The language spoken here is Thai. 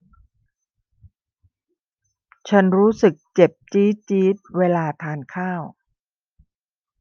ฉันรู้สึกเจ็บจี๊ดจี๊ดเวลาทานข้าว